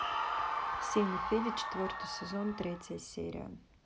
сеня федя четвертый сезон третья серия